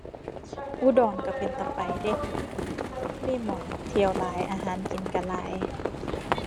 อุดรก็เป็นตาไปเดะ มีหม้องเที่ยวหลาย อาหารกินก็หลาย